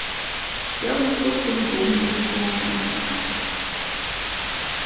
stjórin spurdi meg um eg vildi hava ein kopp av kaffi